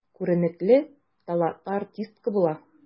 Күренекле, талантлы артистка була.